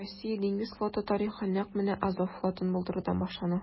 Россия диңгез флоты тарихы нәкъ менә Азов флотын булдырудан башлана.